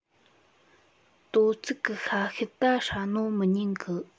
དོ ཚིགས གི ཤ ཤེད ད ཧྲ ནོ མི ཉན གི